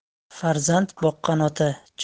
farzand boqqan ota